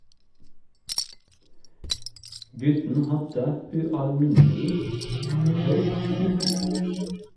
Gutten hadde ualminnelig høy IQ.